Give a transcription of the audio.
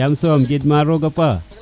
jam soom gid ma roga paax